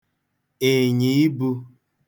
ị̀ị̀nyà ibū